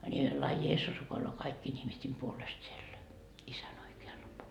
niin laa Jeesus rukoilee kaikkien ihmisten puolesta siellä isän oikealla -